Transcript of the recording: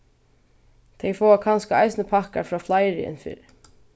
tey fáa kanska eisini pakkar frá fleiri enn fyrr